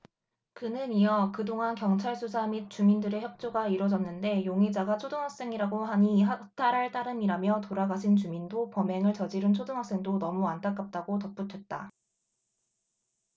그는 이어 그동안 경찰 수사 및 주민들의 협조가 이뤄졌는데 용의자가 초등학생이라고 하니 허탈할 따름이라며 돌아가신 주민도 범행을 저지른 초등학생도 너무 안타깝다고 덧붙였다